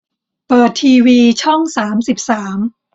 เปิดทีวีช่องสามสิบสาม